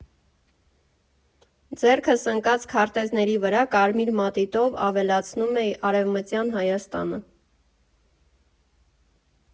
Ձեռքս ընկած քարտեզների վրա կարմիր մատիտով ավելացնում էի Արևմտյան Հայաստանը։